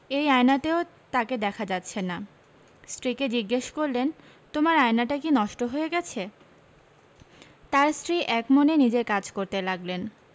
এই আয়নাতেও তাঁকে দেখা যাচ্ছে না স্ত্রীকে জিজ্ঞেস করলেন তোমার আয়নাটা কি নষ্ট হয়ে গেছে তাঁর স্ত্রী একমনে নিজের কাজ করতে লাগলেন